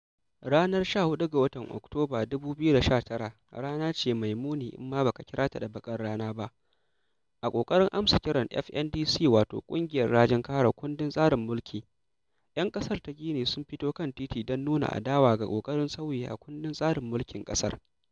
Ranar 14 ga watan Oktoba 2019 rana ce mai muni in ma ba a kira ta da baƙar rana ba, a ƙoƙarin amsa kiran FNDC [wato ƙungiyar Rajin Kare Kundin Tsarin Mulki] 'yan ƙasar ta Gini sun fito kan titina don nuna adawa ga ƙoƙarin sauyi a kundin tsarin mulkin ƙasar.